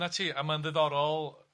'na ti a ma'n ddiddorol yy